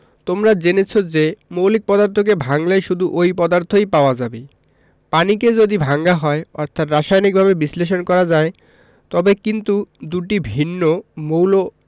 তোমরা জেনেছ যে মৌলিক পদার্থকে ভাঙলে শুধু ঐ পদার্থই পাওয়া যাবে পানিকে যদি ভাঙা হয় অর্থাৎ রাসায়নিকভাবে বিশ্লেষণ করা যায় তবে কিন্তু দুটি ভিন্ন মৌল